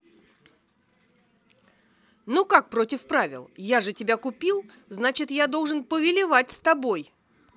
ну как против правил я же тебя купил значит я должен повелевать с тобой